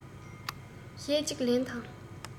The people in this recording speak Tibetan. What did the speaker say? གཞས གཅིག ལེན དང